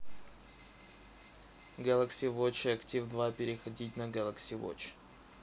galaxy watch active два переходить на galaxy watch